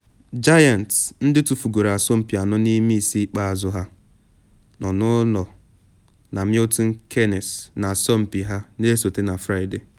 Giants, ndị tufugoro asọmpi anọ n’ime ise ikpeazụ ha, nọ n’ụlọ na Milton Keynes n’asọmpi ha na esote na Fraịde.